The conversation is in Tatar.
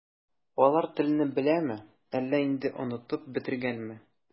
Алар телне беләме, әллә инде онытып бетергәнме?